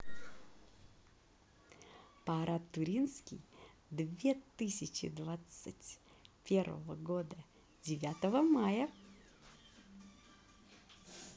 парад туринский две тысячи двадцать первого года девятого мая